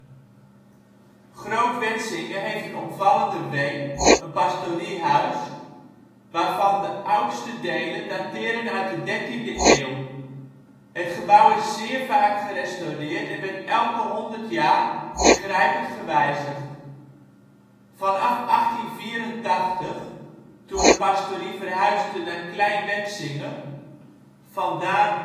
Groot Wetsinge heeft een opvallende weem (pastoriehuis), waarvan de oudste delen dateren uit de 13e eeuw. Het gebouw is zeer vaak gerestaureerd en werd elke 100 jaar ingrijpend gewijzigd. Vanaf 1884, toen de pastorie verhuisde naar Klein Wetsinge (vandaar